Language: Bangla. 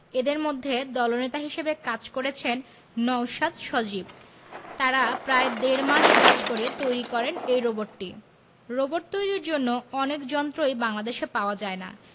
এদের মধ্যে দলনেতা হিসেবে কাজ করেছেন নওশাদ সজীব তারা প্রায় দেড় মাস কাজ করে তৈরি করেন এই রোবটটি রোবট তৈরির জন্য অনেক যন্ত্রই বাংলাদেশে পাওয়া যায় না